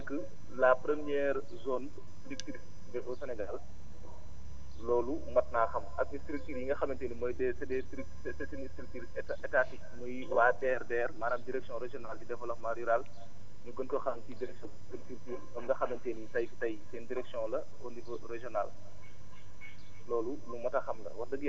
ndaxte bu énu demee ba Louga nekk la première zone du culture au Sénégal loolu mot naa xam ak structures yi nga xamante ni mooy des c' est des c' est une structure éta étatique muy waa DRDR maanaam direction régionale du développement rurale ñu gën koo xam ci ** kon nga xamante ni tey tey seen direction la au nivaeu régionale